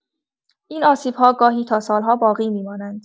این آسیب‌ها گاهی تا سال‌ها باقی می‌مانند.